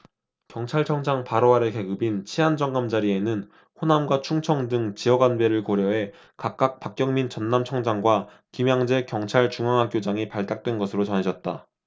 경찰청장 바로 아래 계급인 치안정감 자리에는 호남과 충청 등 지역 안배를 고려해 각각 박경민 전남청장과 김양제 경찰중앙학교장이 발탁된 것으로 전해졌다